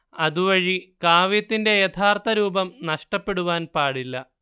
അതുവഴി കാവ്യത്തിന്റെ യഥാർഥ രൂപം നഷ്ടപ്പെടുവാൻ പാടില്ല